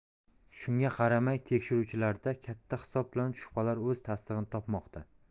shunga qaramay tekshiruvlarda katta hisob bilan shubhalar o'z tasdig'ini topmoqda